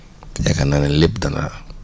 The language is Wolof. yaakaar naa ne lépp dana